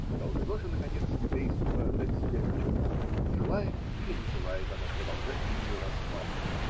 И должно же, наконец, еврейство дать себе отчет: желает или не желает оно продолжать линию распада?